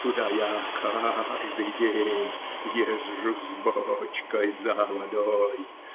туда я каждый день езжу с бочкой за водой.